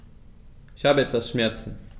Ich habe etwas Schmerzen.